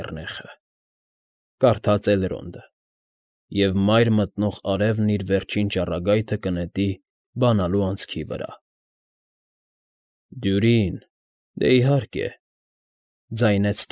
Կեռնեխը»,֊ կարդաց Էլրոնդը,֊ և մայր մտնող արևն իր վերջին ճառագայթը կնետի բանալու անցքի վրա»։ ֊ Դյուրին, դե, իհարկե,֊ ձայնեց։